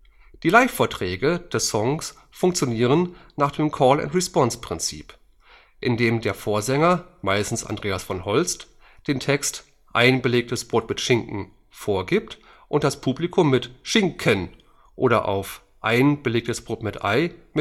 Die Livevorträge des Songs funktionieren nach dem Call and Response-Prinzip, in dem der Vorsänger, meistens Andreas von Holst, den Text: „ Ein belegtes Brot mit Schinken “vorgibt, und das Publikum mit „ Schin-ken “, oder auf „ Ein belegtes Brot mit Ei